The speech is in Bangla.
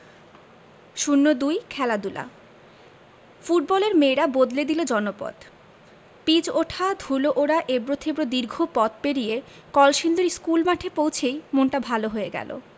০২ খেলাধুলা ফুটবলের মেয়েরা বদলে দিল জনপদ পিচ ওঠা ধুলো ওড়া এবড়োথেবড়ো দীর্ঘ পথ পেরিয়ে কলসিন্দুর স্কুলমাঠে পৌঁছেই মনটা ভালো হয়ে গেল